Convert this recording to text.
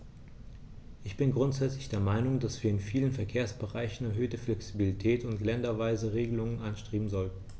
Ich bin grundsätzlich der Meinung, dass wir in vielen Verkehrsbereichen erhöhte Flexibilität und länderweise Regelungen anstreben sollten.